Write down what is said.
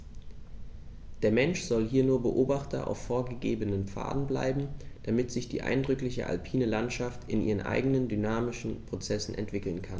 Der Mensch soll hier nur Beobachter auf vorgegebenen Pfaden bleiben, damit sich die eindrückliche alpine Landschaft in ihren eigenen dynamischen Prozessen entwickeln kann.